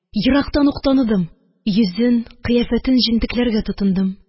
Ерактан ук таныдым. Йөзен, кыяфәтен җентекләргә тотындым.